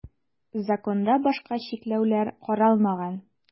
Законда башка чикләүләр каралмаган.